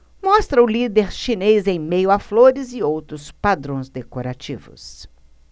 mostra o líder chinês em meio a flores e outros padrões decorativos